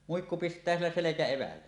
muikku pistää sillä selkäevällä